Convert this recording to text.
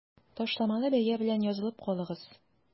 Ташламалы бәя белән язылып калыгыз!